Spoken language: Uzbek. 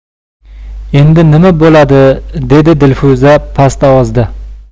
endi nima buladi dedi dilfuza past ovozda